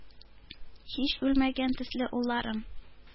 Һич үлмәгән төсле улларым,